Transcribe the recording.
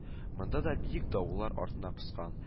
Монда да биек дуваллар артына поскан